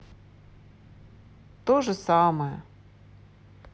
то же самое